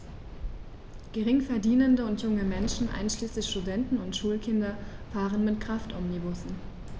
Geringverdienende und junge Menschen, einschließlich Studenten und Schulkinder, fahren mit Kraftomnibussen.